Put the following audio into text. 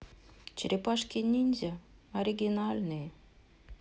черепашки ниндзя оригинальные